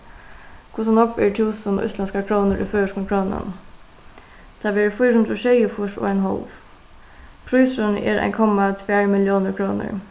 hvussu nógv eru túsund íslendskar krónur í føroyskum krónum tað verður fýra hundrað og sjeyogfýrs og ein hálv prísurin er ein komma tvær milliónir krónur